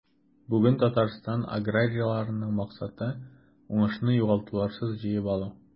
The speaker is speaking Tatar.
Бүген Татарстан аграрийларының максаты – уңышны югалтуларсыз җыеп алу.